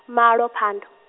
malo phando.